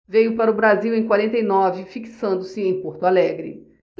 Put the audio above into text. veio para o brasil em quarenta e nove fixando-se em porto alegre